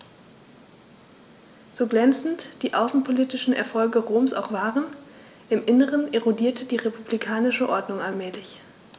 So glänzend die außenpolitischen Erfolge Roms auch waren: Im Inneren erodierte die republikanische Ordnung allmählich.